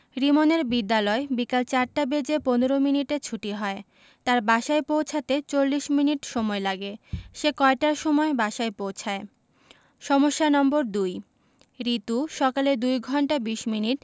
রিমনের বিদ্যালয় বিকাল ৪ টা বেজে ১৫ মিনিটে ছুটি হয় তার বাসায় পৌছাতে ৪০ মিনিট সময়লাগে সে কয়টার সময় বাসায় পৌছায় সমস্যা নম্বর ২ রিতু সকালে ২ ঘন্টা ২০ মিনিট